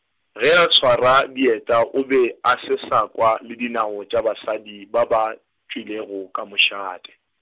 ge a tshwara dieta o be a se sa kwa le dinao tša basadi ba ba, tšwelego ka mošate.